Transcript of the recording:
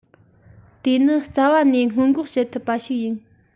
དེ ནི རྩ བ ནས སྔོན འགོག བྱེད ཐུབ པ ཞིག ཡིན